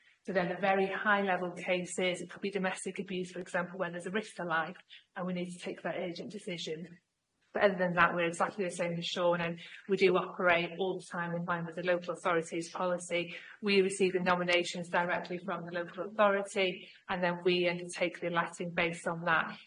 So then the very high level cases it could be domestic abuse for example when there's a risk to life and we need to take that urgent decision. But other than that we're exactly the same as Siôn and we do operate all the time in line with the local authorities policy. We receive the nominations directly from the local authority and then we undertake the letting based on that.